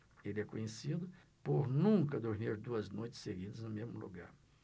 ele é conhecido por nunca dormir duas noites seguidas no mesmo lugar